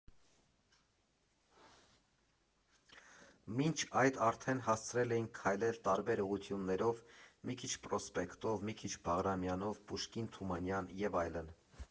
Մինչ այդ արդեն հասցրել էինք քայլել տարբեր ուղղություններով՝ մի քիչ Պրոսպեկտով, մի քիչ Բաղրամյանով, Պուշկին֊Թումանյան, և այլն։